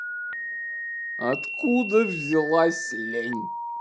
откуда взялась лень